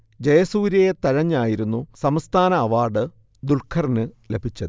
ജയസൂര്യയെ തഴഞ്ഞായിരുന്നു സംസ്ഥാന അവാർഡ് ദുല്ഖറിനു ലഭിച്ചത്